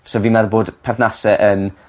So fi'n meddwl bod perthnase yn